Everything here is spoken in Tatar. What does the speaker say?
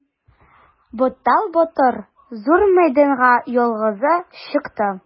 Баттал батыр зур мәйданга ялгызы чыкты.